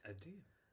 Ydi.